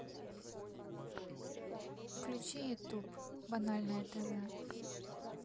включи ютуб банальное тв